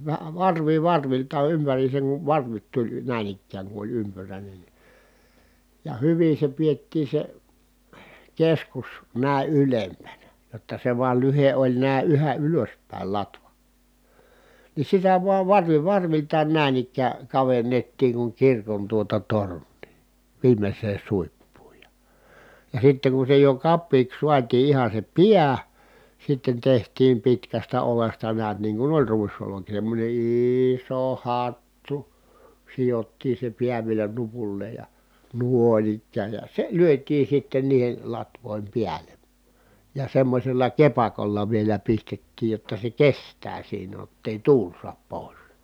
- varvi varvilta ympäriinsä kun varvit tuli näin ikään kun oli ympyräinen niin ja hyvin se pidettiin se keskus näin ylempänä jotta se vain lyhde oli näin yhä ylöspäin latva niin sitä vain varvi varviltaan näin ikään kavennettiin kuin kirkon tuota tornia viimeiseen suippuun ja ja sitten kun se jo kapeaksi saatiin ihan se pää sitten tehtiin pitkästä oljesta näet niin kuin oli ruisolki semmoinen iso hattu sidottiin se pää vielä nupulleen ja noin ikään ja se lyötiin sitten niiden latvojen päälle ja semmoisella kepakolla vielä pistettiin jotta se kestää siinä jotta ei tuuli saa pois